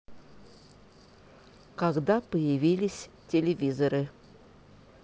когда появились телевизоры